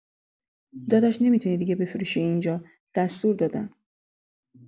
داداش، نمی‌تونی دیگه بفروشی اینجا، دستور دادن.